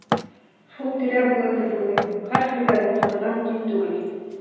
Шул тирә булыр дип уйлыйм, һәрхәлдә, былтыргыдан ким түгел.